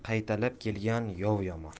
qaytalab kelgan yov yomon